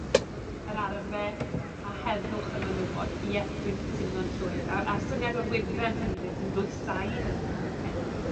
yr arfe, a heddwch y menywod. Ie dwi'n cytuno'n llwyr a- a'r syniad o'r wifren rhyngddynt yn dwysau hynny fi'n credu.